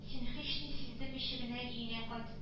Син һични сиздермичә генә өеңә кайт